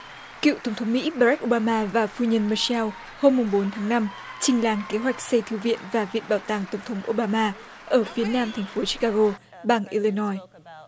cựu tổng thống mỹ ba rách ô ba ma và phu nhân mơ seo hôm mùng bốn tháng năm trình làng kế hoạch xây thư viện và viện bảo tàng tổng thống ô ba ma ở phía nam thành phố chi ca gô bang i li noi